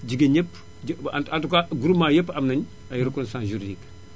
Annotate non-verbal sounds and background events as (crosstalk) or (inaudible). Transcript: jigéen ñépp en tout cas groupement yépp am nañ (noise) ay reconnaissances juridique